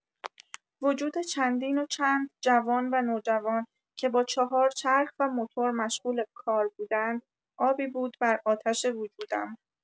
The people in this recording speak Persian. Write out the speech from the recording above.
وجود چندین و چند جوان و نوجوان که با چهارچرخ و موتور مشغول کار بودند آبی بود بر آتش وجودم.